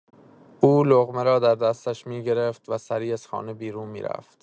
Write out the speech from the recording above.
او لقمه را در دستش می‌گرفت و سریع از خانه بیرون می‌رفت.